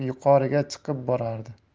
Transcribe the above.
yuqoriga chiqib borardi